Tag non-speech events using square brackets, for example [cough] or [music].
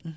[hesitation]